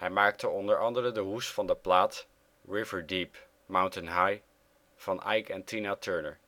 maakte onder andere de hoes van de plaat River Deep - Mountain High van Ike & Tina Turner